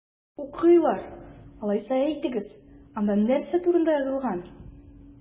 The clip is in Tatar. Укыйлар! Алайса, әйтегез, анда нәрсә турында язылган?